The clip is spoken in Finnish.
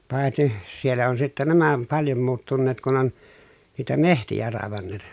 paitsi siellä on sitten nämä on paljon muuttuneet kun on niitä metsiä raivanneet